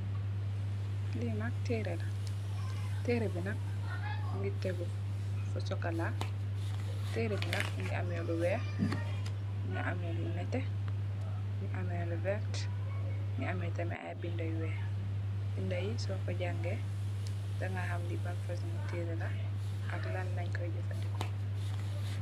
Lii nak tëëre la, tëre bi nak, mu ngi teggu fu sokolaa. Terre bi nak mu ngi amee lu weex, mu amee lu nétté, mu ngi amee lu werta, mu ngi amee tamit ay bindë yu weex. Binda yi soolu jaangee, ja ngaa xam lii ban fasoñ terre la, ak lan lañ koo jafëndeko.